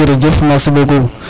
jerejef merci beaucoup